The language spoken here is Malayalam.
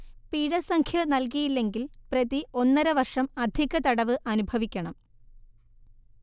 പിഴസംഖ്യ നൽകിയില്ലെങ്കിൽ പ്രതി ഒന്നരവർഷം അധിക തടവ് അനുഭവിക്കണം